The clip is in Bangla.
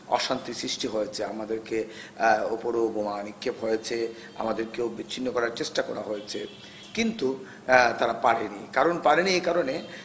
অশান্তি সৃষ্টি করেছে আমাদেরকে উপরেও বোমা বিক্ষেপ হয়েছে আমাদের কেউ বিচ্ছিন্ন করার চেষ্টা করা হয়েছে তারা পারেনি কারণ পারেনি এ কারণে